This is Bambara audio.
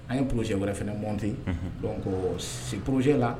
An ye pjɛ wɛrɛ fana mti don ko si pjɛ la